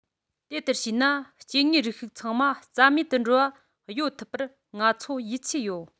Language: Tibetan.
དེ ལྟར བྱས ན སྐྱེ དངོས རིགས ཞིག ཚམ མ རྩ མེད དུ འགྲོ བ གཡོལ ཐུབ པར ང ཚོས ཡིད ཆེས ཡོད